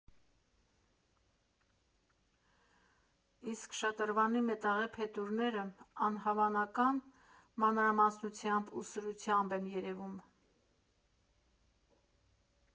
Իսկ շատրվանի մետաղե «փետուրները» անհավանական մանրամասնությամբ ու սրությամբ են երևում։